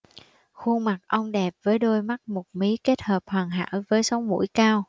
khuôn mặt ông đẹp với đôi mắt một mí kết hợp hoàn hảo với sống mũi cao